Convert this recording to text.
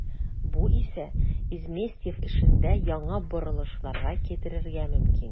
Бу исә Изместьев эшендә яңа борылышларга китерергә мөмкин.